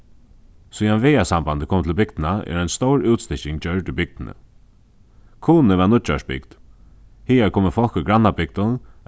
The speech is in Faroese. síðan vegasambandið kom til bygdina er ein stór útstykking gjørd í bygdini kunoy var nýggjársbygd hagar komu fólk úr grannabygdum